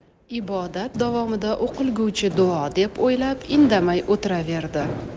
ibodat davomida o'qilguchi duo deb o'ylab indamay o'tiraverdi